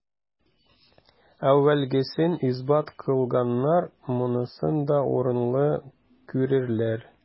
Әүвәлгесен исбат кылганнар монысын да урынлы күрерләр.